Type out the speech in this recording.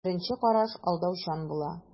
Беренче караш алдаучан була.